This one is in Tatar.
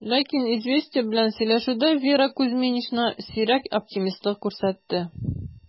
Ләкин "Известия" белән сөйләшүдә Вера Кузьминична сирәк оптимистлык күрсәтте: